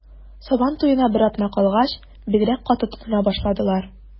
Сабан туена бер атна калгач, бигрәк каты тотына башладылар.